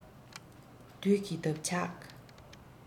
དུས ཀྱི འདབ ཆགས